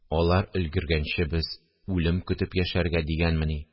– алар өлгергәнче без үлем көтеп яшәргә дигәнмени